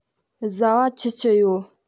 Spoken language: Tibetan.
བཟའ བ ཆི ཆི ཡོད